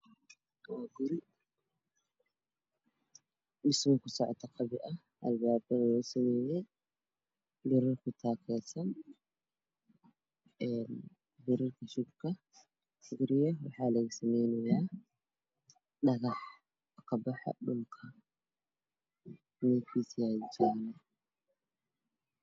Kani waa guri dhisme ka socoto qabyo albaabadii waa loosameeyay waxa lasamaynayaa dhagax kabaxa dhulka